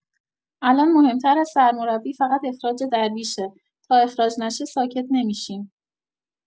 الان مهم‌تر از سرمربی فقط اخراج درویشه تا اخراج نشه ساکت نمی‌شیم.